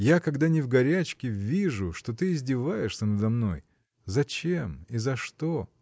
Я, когда не в горячке, вижу, что ты издеваешься надо мной: зачем и за что?